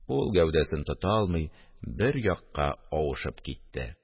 Ул гәүдәсен тота алмый, бер якка авышып китте